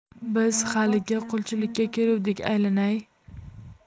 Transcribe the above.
biz haligi qulchilikka keluvdik aylanay